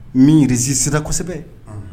Miniriz sira kosɛbɛ